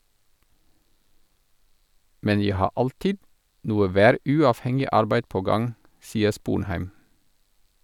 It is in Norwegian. Men jeg har alltid noe væruavhengig arbeid på gang, sier Sponheim.